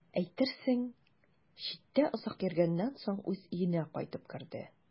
Әйтерсең, читтә озак йөргәннән соң үз өенә кайтып керде.